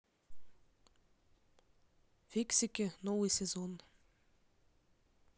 фиксики новый сезон